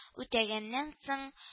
Үтәгәннән соң